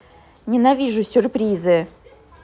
ненавижу сюрпризы